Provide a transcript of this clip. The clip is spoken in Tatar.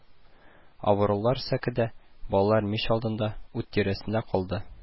Авырулар сәкедә, балалар мич алдында, ут тирәсендә калды